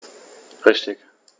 Richtig